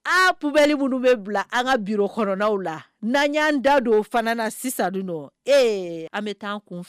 A ppbli minnu bɛ bila an ka bi hɔrɔnɔrɔnw la n'an y'an da don o fana na sisan dun dɔ ee an bɛ taa an kun fɛ